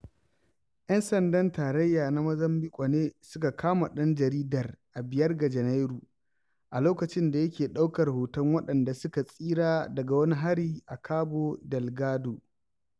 Yan sandan tarayya na Mozambiƙue ne suka kama ɗan jaridar a 5 ga Janairu, a lokacin da yake ɗaukar hoton waɗanda suka tsira daga wani hari a Cabo Delgado.